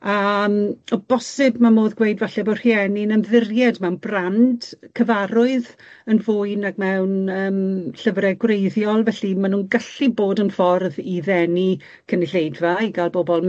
a'n... O bosib ma' modd gweud falle bo' rhieni'n ymddiried mewn brand cyfarwydd yn fwy nag mewn yym llyfre gwreiddiol felly ma' nw'n gallu bod yn ffordd i ddenu cynulleidfa, i ga'l bobol